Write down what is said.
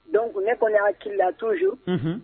Donc ne kɔnni hakili la toujours ,unhun.